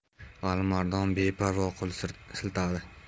alimardon beparvo qo'l siltadi